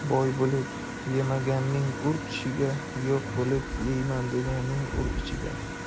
bor bo'lib yemaganning ur tishiga yo'q bo'lib yeyman deganning ur ichiga